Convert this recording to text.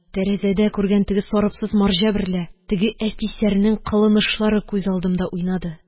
Тәрәзәдә күргән теге сарыпсыз марҗа берлә теге әфисәрнең кылынышлары күз алдымда уйнады